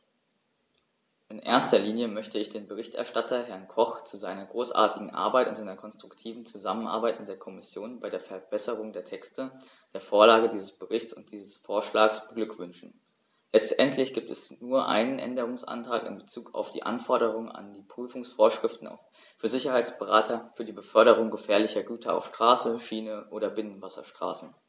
In erster Linie möchte ich den Berichterstatter, Herrn Koch, zu seiner großartigen Arbeit und seiner konstruktiven Zusammenarbeit mit der Kommission bei der Verbesserung der Texte, der Vorlage dieses Berichts und dieses Vorschlags beglückwünschen; letztendlich gibt es nur einen Änderungsantrag in bezug auf die Anforderungen an die Prüfungsvorschriften für Sicherheitsberater für die Beförderung gefährlicher Güter auf Straße, Schiene oder Binnenwasserstraßen.